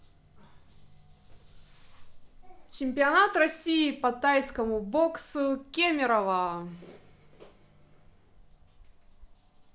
чемпионат россии по тайскому боксу кемерово